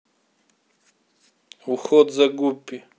уход за гуппи